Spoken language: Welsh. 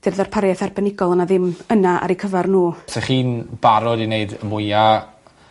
'di'r ddarpariaeth arbenigol yna ddim yna ar eu cyfar n'w, 'Sach chi'n barod i wneud mwya